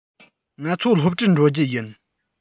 ང ཚོ སློབ གྲྭར འགྲོ རྒྱུ ཡིན